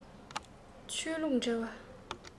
ཆོས ལུགས འབྲེལ བ